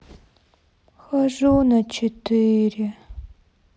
хожу на четыре